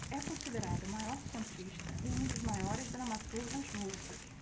é considerado o maior contista e um dos maiores dramaturgos russos